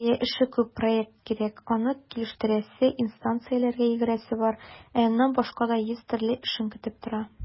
Әйе, эше күп - проект кирәк, аны килештерәсе, инстанцияләргә йөгерәсе бар, ә аннан башка да йөз төрле эшең көтеп тора.